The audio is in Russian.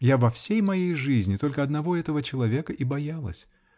Я во всей моей жизни только одного этого человека и боялась.